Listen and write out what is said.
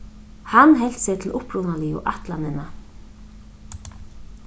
hann helt seg til upprunaligu ætlanina